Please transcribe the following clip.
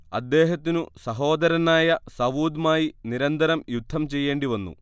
അദ്ദേഹത്തിനു സഹോദരനായ സവൂദ് മായി നിരന്തരം യുദ്ധം ചെയ്യേണ്ടിവന്നു